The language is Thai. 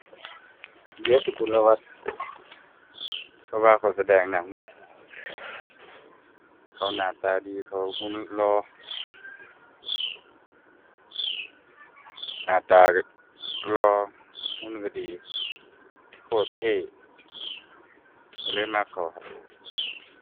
เวียร์ ศุกลวัฒน์ เพราะว่าเขาแสดงหนัง เขาน่าตาดี เขาหุ่นหล่อ น่าตาก็หล่อ หุ่นก็ดี โคตรเท่ก็เลยมักเขาครับ